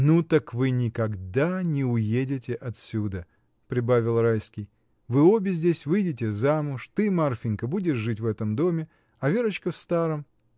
— Ну так вы никогда не уедете отсюда, — прибавил Райский, — вы обе здесь выйдете замуж, ты, Марфинька, будешь жить в этом доме, а Верочка в старом.